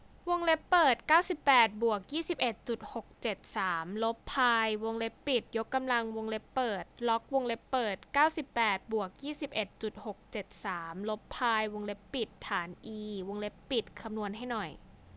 วงเล็บเปิดเก้าสิบแปดบวกยี่สิบเอ็ดจุดหกเจ็ดสามลบพายวงเล็บปิดยกกำลังวงเล็บเปิดล็อกวงเล็บเปิดเก้าสิบแปดบวกยี่สิบเอ็ดจุดหกเจ็ดสามลบพายวงเล็บปิดฐานอีวงเล็บปิดคำนวณให้หน่อย